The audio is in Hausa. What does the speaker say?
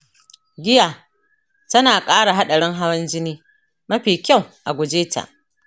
giya tana kara hadarin hawan jini; mafi kyau a guje ta.